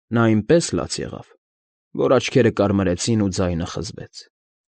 Նա այնպես լաց եղավ, որ աչքերը կարմրեցին ու ձայնը խզվեց։